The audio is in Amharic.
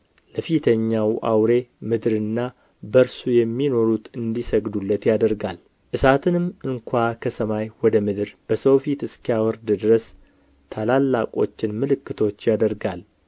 ለፊተኛው አውሬ ምድርና በእርሱ የሚኖሩት እንዲሰግዱለት ያደርጋል እሳትንም እንኳ ከሰማይ ወደ ምድር በሰው ፊት እስኪያወርድ ድረስ ታላላቆችን ምልክቶች ያደርጋል